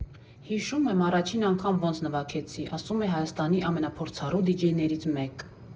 ֊ Հիշում եմ՝ առաջին անգամ ոնց նվագեցի, ֊ ասում է Հայաստանի ամենափորձառու դիջեյներից մեկ,.